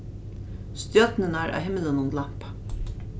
stjørnurnar á himlinum glampa